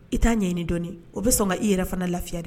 I t'a ɲɛɲini dɔɔnin o bɛ sɔn ka i yɛrɛ fana lafiya dɛ